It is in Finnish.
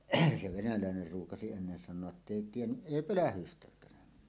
se venäläinen ruukasi ennen sanoa että ei tiennyt ei pölähdystäkään